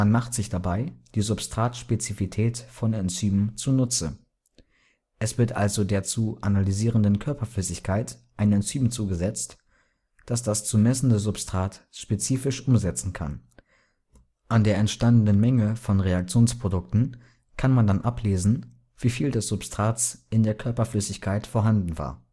macht sich dabei die Substratspezifität von Enzymen zu Nutze. Es wird also der zu analysierenden Körperflüssigkeit ein Enzym zugesetzt, das das zu messende Substrat spezifisch umsetzen kann. An der entstandenen Menge von Reaktionsprodukten kann man dann ablesen, wie viel des Substrats in der Körperflüssigkeit vorhanden war